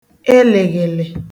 elị̀ghị̀lị